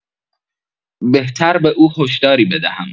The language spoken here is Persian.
بهتر به او هشداری بدهم.